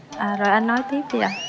à rồi anh nói tiếp đi ạ